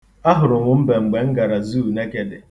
Ahụrụ m mbe mgbe m gara Zuu Nekede.